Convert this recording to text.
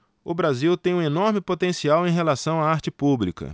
o brasil tem um enorme potencial em relação à arte pública